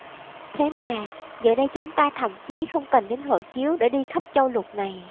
thế mà giờ đây chúng ta thậm chí không cần đến hộ chiếu để đi khắp châu lục này